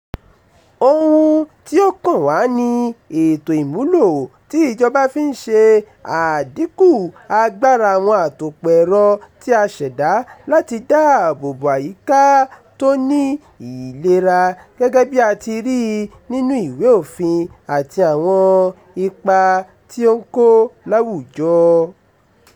Ohun tí ó kàn wá ni ètò ìmúlò tí ìjọba fi ń ṣe àdínkù agbára àwọn àtòpọ̀ ẹ̀rọ tí a ṣẹ̀dá láti dáàbò bo àyíká tó ní ìlera, gẹ́gẹ́ bí a ti rí i nínú ìwé òfin àti àwọn ipa tí ó ń kó láwùjọ.